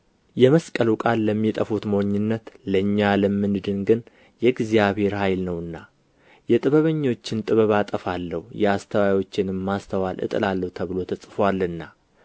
የመስቀሉ ቃል ለሚጠፉት ሞኝነት ለእኛ ለምንድን ግን የእግዚአብሔር ኃይል ነውና የጥበበኞችን ጥበብ አጠፋለሁ የአስተዋዮችንም ማስተዋል እጥላለሁ ተብሎ ተጽፎአልና